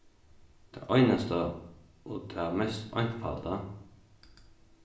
tað einasta og tað mest einfalda